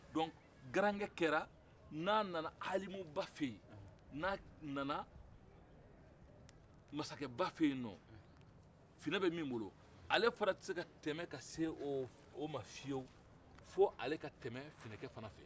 donc garankɛ kɛra n'a nana alimuba fɛ yen n'a nana masakɛba fɛ yen finɛ bɛ min bolo ale fɛnɛ tɛ se ka tɛmɛ ka s'o ma fiyew f'ale ka tɛmɛ finɛkɛ fɛnɛ fɛ yen